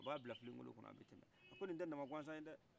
a ba bila filen kolon kɔnɔ a bi tɛme a ko ni tɛ nama gansan ye dai